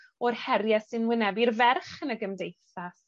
o'r herie sy'n wynebu'r ferch yn y gymdeithas.